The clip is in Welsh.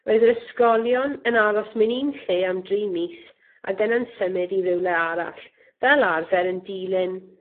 Roedd yr ysgolion yn aros mewn un lle am dri mis ac yna'n symud i rywle arall fel arfer yn dilyn